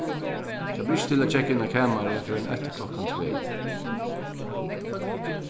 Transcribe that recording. tað ber ikki til at kekka inn á kamarið fyrr enn eftir klokkan tvey